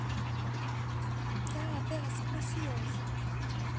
да да согласилась